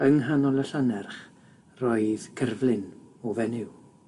Yng nghanol y llannerch roedd cerflun o fenyw.